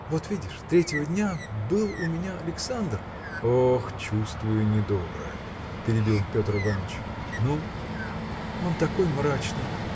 – Вот видишь: третьего дня был у меня Александр. – Ох, чувствую недоброе! – перебил Петр Иваныч, – ну? – Он такой мрачный